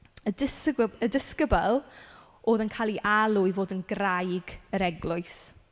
Y disygwb- disgybl oedd yn cael ei alw i fod yn graig yr Eglwys.